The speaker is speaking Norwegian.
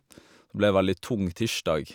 Ble veldig tung tirsdag.